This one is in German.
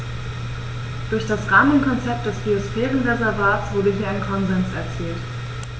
Durch das Rahmenkonzept des Biosphärenreservates wurde hier ein Konsens erzielt.